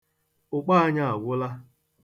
Ụkpọ anyị agwụla.